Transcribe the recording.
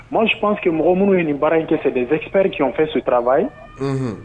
Moi je pense que mɔgɔ minnu ye nin baara in kɛ c'est des experts , unhun.